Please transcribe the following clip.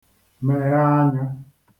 mèghe anya